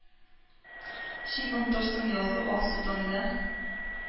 Син онтырсың язгы алсу таңда,